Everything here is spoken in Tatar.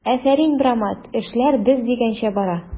Афәрин, брамат, эшләр без дигәнчә бара!